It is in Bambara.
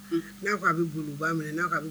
N'a a bɛ boloba minɛ